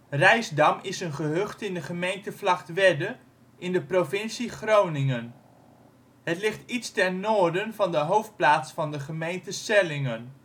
Rijsdam is een gehucht in de gemeente Vlagtwedde in de provincie Groningen. Het ligt iets ten noorden van de hoofdplaats van de gemeente Sellingen